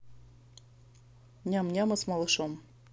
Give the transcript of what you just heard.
ням нямы с малышом